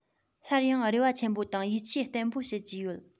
སླར ཡང རེ བ ཆེན པོ དང ཡིད ཆེས བརྟན པོ བྱེད ཀྱི ཡོད